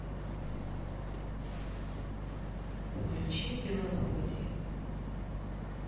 включи беловодье